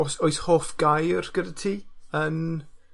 o's oes hoff gair gyda ti yn